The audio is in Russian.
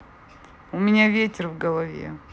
у меня ветер в голове